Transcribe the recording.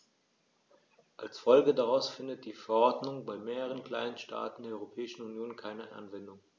Als Folge daraus findet die Verordnung bei mehreren kleinen Staaten der Europäischen Union keine Anwendung.